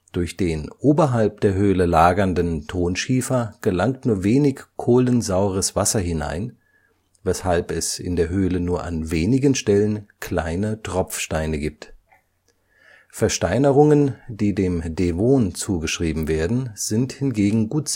Durch den oberhalb der Höhle lagernden Tonschiefer gelangt nur wenig kohlensaures Wasser hinein, weshalb es in der Höhle nur an wenigen Stellen kleine Tropfsteine gibt. Versteinerungen, die dem Devon zugeschrieben werden, sind hingegen gut